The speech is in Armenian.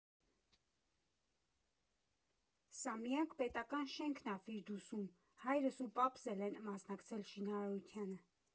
Սա միակ պետական շենքն ա Ֆիրդուսում, հայրս ու պապս էլ են մասնակցել շինարարությանը։